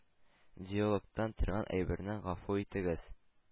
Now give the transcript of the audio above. Диалогтан торган әйберне, гафу итегез,